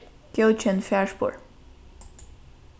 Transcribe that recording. góðkenn farspor